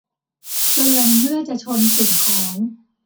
เตือนเมื่อจะชนสิ่งของ